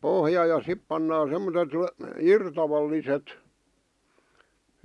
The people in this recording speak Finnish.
pohja ja sitten pannaan semmoiset irtavalliset